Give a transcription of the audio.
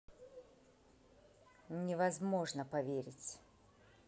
невозможно поверить